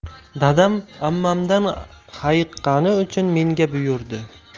dadam ammamdan hayiqqani uchun menga buyurdi